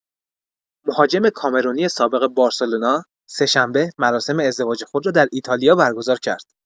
مهاجم کامرونی سابق بارسلونا سه‌شنبه مراسم ازدواج خود را در ایتالیا برگزار کرد.